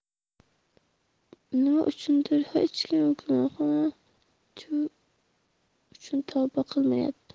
nima uchundir hech kim gunohi uchun tavba qilmayapti